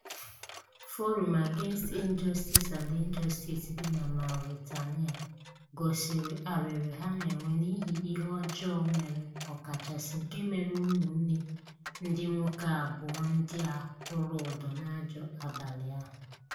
Forum Against Injustice and Injustice dị na Mauritania gosiri arịrị ha na-enwe n'ihi ihe ọjọọ mere ọkachasị nke mere ụmụnne ndị nwoke abụọ ndị a kwụrụ ụdọ n'ajọ abalị ahụ: